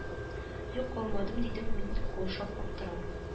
Юк алмадым дидем мин каушап аптырап